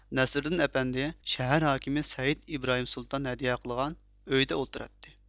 نەسرىدىن ئەپەندى شەھەر ھاكىمى سەئىد ئىبراھىم سۇلتان ھەدىيە قىلغان ئۆيدە ئولتۇراتتى